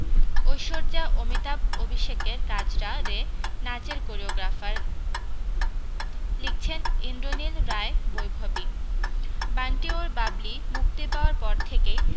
ঐশ্বর্যা অমিতাভ অভিষেকের কাজরা রে নাচের কোরিওগ্রাফার লিখছেন ইন্দ্রনীল রায় বৈভবী বান্টি ঔর বাবলি মুক্তি পাওয়ার পর থেকেই